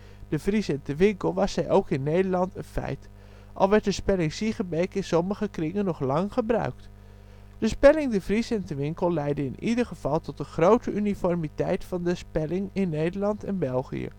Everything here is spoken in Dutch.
Vries en Te Winkel was zij ook in Nederland een feit, al werd de spelling-Siegenbeek in sommige kringen nog lang gebruikt. De spelling-De Vries en Te Winkel leidde in ieder geval tot een grote uniformiteit van de spelling in Nederland en België